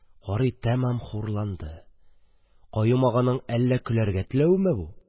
Карый тамам хурланды: каюм аганың әллә көләргә теләвеме бу?